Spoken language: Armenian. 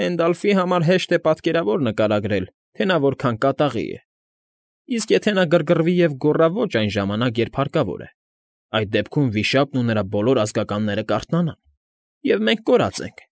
Հենդալֆի համար հեշտ է պատկերավոր նկարագրել, թե նա որքան կատաղի է, իսկ եթե նա գրգռվի ու գոռա ոչ այն ժամանակ, երբ հարկավո՞ր է, այդ դեպքում վիշապն ու նրա բոլոր ազգականները կարթնանան, և մենք կորած ենք։